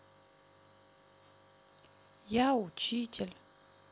я учитель